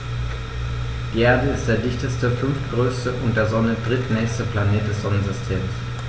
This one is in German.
Die Erde ist der dichteste, fünftgrößte und der Sonne drittnächste Planet des Sonnensystems.